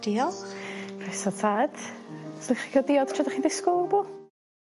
Diolch. Croeso tad so 'chech ca'l diod tra 'dach chi'n disgwl o wbwl?